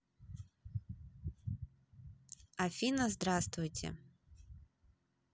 афина здравствуйте